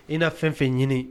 I na fɛn fɛn ɲini